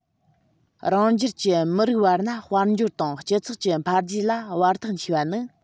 རང རྒྱལ ཀྱི མི རིགས བར ན དཔལ འབྱོར དང སྤྱི ཚོགས ཀྱི འཕེལ རྒྱས ལ བར ཐག མཆིས པ ནི